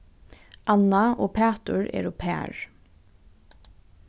anna og pætur eru par